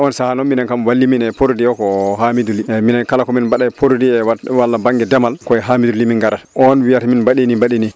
on saaha noon minen kam walli min e produit ko Hamidou Ly minen kala ko min baɗe produit wat wat walla banggue deemal koye Hamidou Ly min garata on wiyata min baɗeni baɗeni